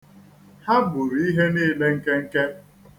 Ha gburu ihe niile nkenke.